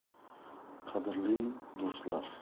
qadrli do'stlar